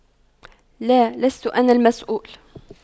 لا لست أنا المسؤول